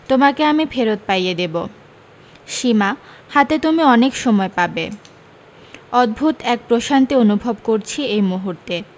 তোমাকে আমি ফেরত পাইয়ে দেবো সীমা হাতে তুমি অনেক সময় পাবে অদ্ভুত এক প্রশান্তি অনুভব করছি এই মূহুর্তে